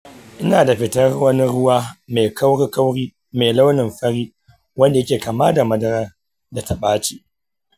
ina da fitar wani ruwa mai kauri-kauri mai launin fari wanda yake kama da madarar da ta ɓaci.